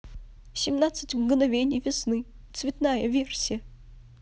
семнадцать мгновений весны цветная версия